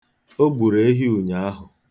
O gburu ehi ụnyaahụ.